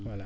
voilà